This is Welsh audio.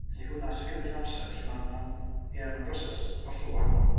Felly hwnna sy'n cymryd amser. Felly ma'n ma'n... ia ma'n broses hollol wahanol.